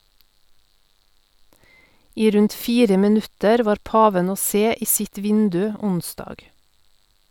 I rundt fire minutter var paven å se i sitt vindu onsdag.